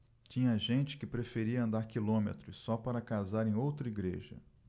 tinha gente que preferia andar quilômetros só para casar em outra igreja